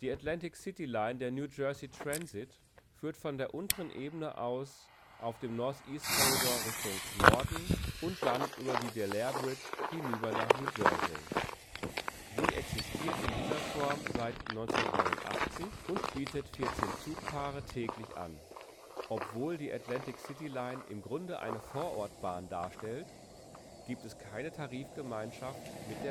Atlantic City Line der New Jersey Transit führt von der unteren Ebene aus auf dem Northeast Corridor Richtung Norden und dann über die Delair Bridge hinüber nach New Jersey. Sie existiert in dieser Form seit 1989 und bietet 14 Zugpaare täglich an. Obwohl die Atlantic City Line im Grunde eine Vorortbahn darstellt, gibt es keine Tarifgemeinschaft mit